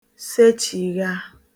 sechigha